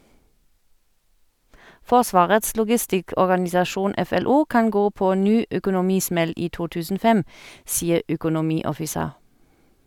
Forsvarets logistikkorganisasjon (FLO) kan gå på ny økonomismell i 2005, sier økonomioffiser.